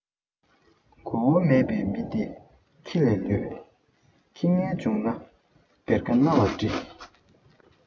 གོ བ མེད པའི མི དེ ཁྱི ལས ལོད ཁྱི ངན བྱུང ན བེར ཀ སྣ ལ བཀྲི